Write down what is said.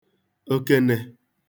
okenē